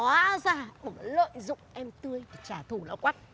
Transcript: hóa ra ông lợi dụng em tươi để trả thù lão quắt